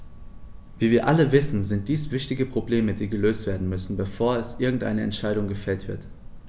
Wie wir alle wissen, sind dies wichtige Probleme, die gelöst werden müssen, bevor irgendeine Entscheidung gefällt wird.